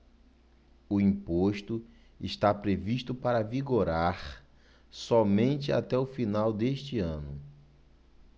o imposto está previsto para vigorar somente até o final deste ano